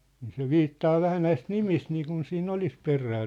niin se viittaa vähän näistä nimistä niin kuin siinä olisi perää